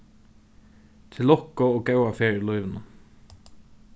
til lukku og góða ferð í lívinum